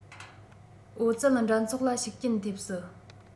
ཨོ རྩལ འགྲན ཚོགས ལ ཤུགས རྐྱེན ཐེབས སྲིད